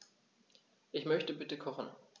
Ich möchte bitte kochen.